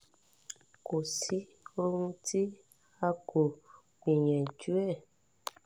Kò sí ohun tí a kò gbìyànjú ẹ̀.